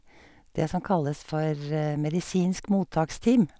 Det som kalles for medisinsk mottaksteam.